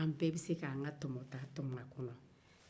an bɛɛ bɛ se k'an ka tɔmɔta tɔmɔ a kɔnɔ